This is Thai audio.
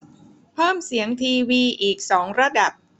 เพิ่มเสียงทีวีอีกสองระดับ